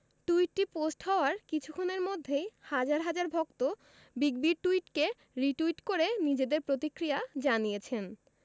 টুইটটি post হওয়ার কিছুক্ষণের মধ্যেই হাজার হাজার ভক্ত বিগ বির টুইটকে রিটুইট করে নিজেদের প্রতিক্রিয়া জানিয়েছেন